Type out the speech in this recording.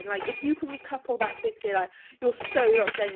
"like, if you can recouple that quickly like then you're so not genuine"